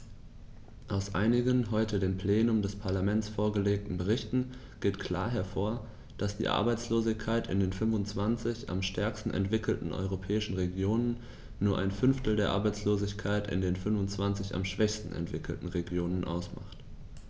Aus einigen heute dem Plenum des Parlaments vorgelegten Berichten geht klar hervor, dass die Arbeitslosigkeit in den 25 am stärksten entwickelten europäischen Regionen nur ein Fünftel der Arbeitslosigkeit in den 25 am schwächsten entwickelten Regionen ausmacht.